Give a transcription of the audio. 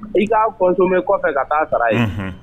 I k'a kɔsomɛ kɔfɛ ka taaa sara ye